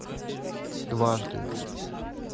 дважды